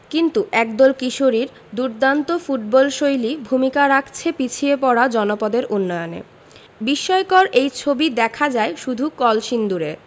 কিন্তু একদল কিশোরীর দুর্দান্ত ফুটবলশৈলী ভূমিকা রাখছে পিছিয়ে পড়া জনপদের উন্নয়নে বিস্ময়কর এই ছবি দেখা যায় শুধু কলসিন্দুরে